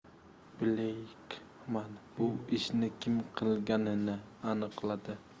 bleykman bu ishni kim qilganini aniqladi